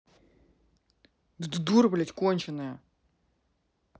ты дура блядь конченая